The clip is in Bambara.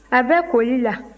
a bɛ koli la